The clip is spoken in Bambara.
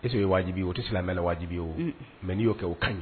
E ye wajibi ye o tɛ silamɛ mɛn wajibi o mɛ n'i'o kɛ' kan ɲɛ